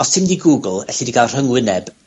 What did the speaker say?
os ti'n mynd i Google, elli di ga'l rhyngwyneb